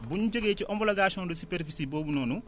bu ñu jógee ci homologation de supoerficie boobu noonu